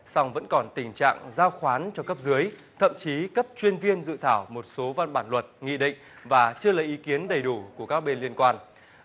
song vẫn còn tình trạng giao khoán cho cấp dưới thậm chí cấp chuyên viên dự thảo một số văn bản luật nghị định và chưa lấy ý kiến đầy đủ của các bên liên quan